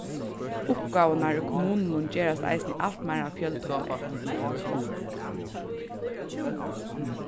uppgávurnar í kommununum gerast eisini alt meira fjøltáttaðar